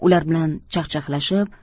ular bilan chaqchaqlashib